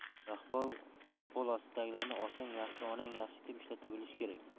rahbar qo'l ostidagilarni otang yaxshi onang yaxshi deb ishlata bilishi kerak